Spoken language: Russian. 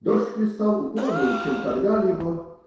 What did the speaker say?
Дождь хлестал упорнее, чем когда-либо.